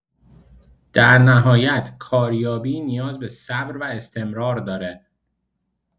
در نهایت، کاریابی نیاز به صبر و استمرار داره.